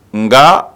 Nka